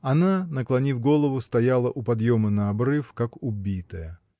Она, наклонив голову, стояла у подъема на обрыв как убитая.